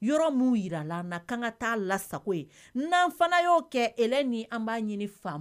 Yɔrɔ minnu jira la an na, k'an k'a taa lasago yen, n'an fana y'o kɛ Hɛlɛni, an b'a ɲini faamaw fɛ.